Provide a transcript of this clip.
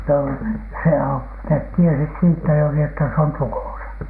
no se - ne tiesivät siitä juuri että se on tukossa